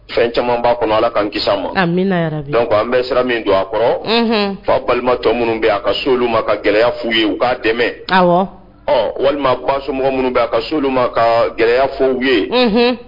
Fɛn caman b'a kɔnɔ ala kaan kisi ma an dɔn an bɛ sira min don a kɔrɔ fa balimatɔ minnu bɛ a ka so oluolu ma ka gɛlɛya fu ye u k'a dɛmɛ ɔ walima ba somɔgɔ minnu bɛ a ka so olu ma ka gɛlɛya fow ye